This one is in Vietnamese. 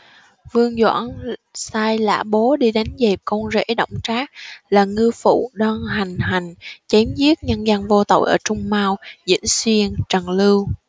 vương doãn sai lã bố đi đánh dẹp con rể đổng trác là ngưu phụ đang hoành hành chém giết nhân dân vô tội ở trung mâu dĩnh xuyên trần lưu